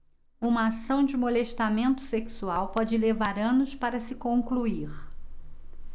uma ação de molestamento sexual pode levar anos para se concluir